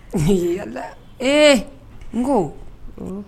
N yala ee n ko